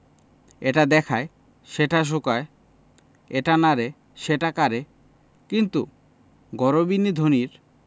এটা দেখায় সেটা শোঁকায় এটা নাড়ে সেটা কাড়ে কিন্তু গরবিনী ধনীর